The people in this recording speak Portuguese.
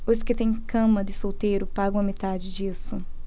os que têm cama de solteiro pagam a metade disso